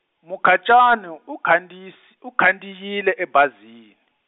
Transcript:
Mukhacani u khandziyis- u khandziyile ebazini.